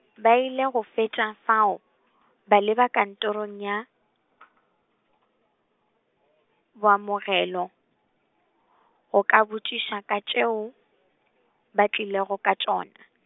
ba ile go feta fao , ba leba kantorong ya , boamogelo, go ka botšišiša ka tšeo, ba tlilego ka tšona.